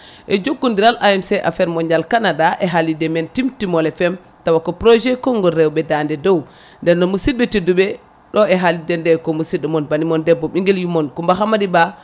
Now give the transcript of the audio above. e jokkodiral AMC affaire mondial Canada e haalierde men Timtimol FM tawa ko projet konnggol rewɓe dande dow nden noon musidɓe tedduɓe ɗo e haalirde nde ko musidɗo moon banimon debbo ɓinguel yummon Coumba Hamady Ba